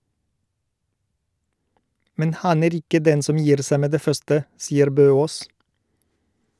Men han er ikke den som gir seg med det første, sier Bøås.